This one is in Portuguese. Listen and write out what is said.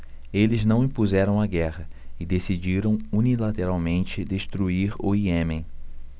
eles nos impuseram a guerra e decidiram unilateralmente destruir o iêmen